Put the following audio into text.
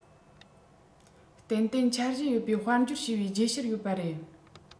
ཏན ཏན འཆར གཞི ཡོད པའི དཔལ འབྱོར བྱས པའི རྗེས ཤུལ ཡོད པ རེད